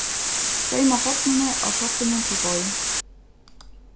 seyma hornini á kroppinum til bein